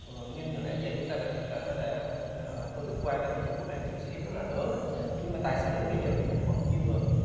ờ niên hiệu nãy giờ chúng ta đã phân tích quan trung quốc đang chịu sức ép rất là lớn đó nhưng mà tại sao đến bây giờ trung quốc vẫn chưa